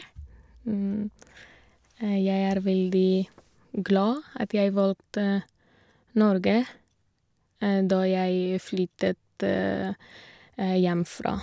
Jeg er veldig glad at jeg valgte Norge da jeg flyttet hjemmefra.